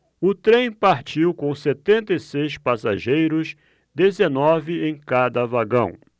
o trem partiu com setenta e seis passageiros dezenove em cada vagão